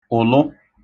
ụ̀lụ